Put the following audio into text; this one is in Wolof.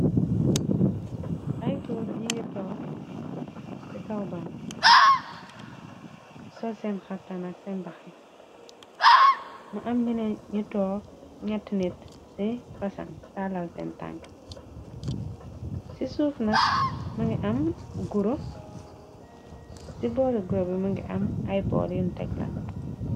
Ay goor yi ngi toog ci kawban so seen xartanak seen baxa li më am ñina ñu took ñatt nit ci pasan talal seen tank yi ci suuf nak mëngi am guro ci boole guro bi mëngi am ay bool yun tecklan.